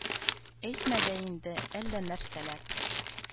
Әйтмә дә инде, әллә нәрсәләр